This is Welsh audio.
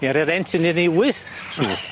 ' wyth swll.